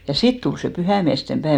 ja sitten tuli se pyhäinmiesten päivä